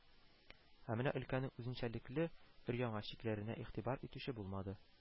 Ә менә өлкәнең ҮЗЕНЧӘЛЕКЛЕ өр- яңа чикләренә игътибар итүче булмады